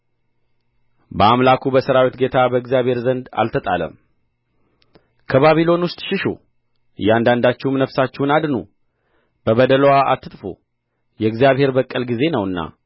በአምላኩ በሠራዊት ጌታ በእግዚአብሔር ዘንድ አልተጣለም ከባቢሎን ውስጥ ሽሹ እያንዳንዳችሁም ነፍሳችሁን አድኑ በበደልዋ አትጥፉ የእግዚአብሔር በቀል ጊዜ ነውና